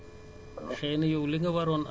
waaw parce que bu ko weesoo